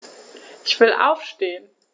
Ich will aufstehen.